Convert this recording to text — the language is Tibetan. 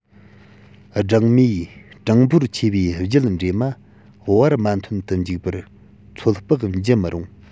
སྦྲང མས གྲངས འབོར ཆེ བའི རྒྱུད འདྲེས མ བར མ ཐོན དུ འཇུག པར ཚོད དཔག བགྱི མི རུང